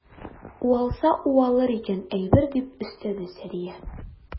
Уалса уалыр икән әйбер, - дип өстәде Сәрия.